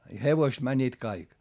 ja hevoset menivät kaikki